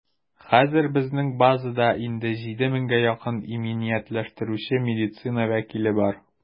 Хәзер безнең базада инде 7 меңгә якын иминиятләштерүче медицина вәкиле бар.